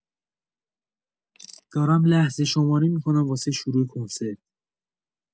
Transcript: دارم لحظه‌شماری می‌کنم واسه شروع کنسرت!